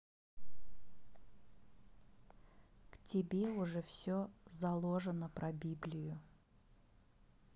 к тебе уже все заложено про библию